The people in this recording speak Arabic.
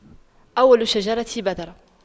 أول الشجرة بذرة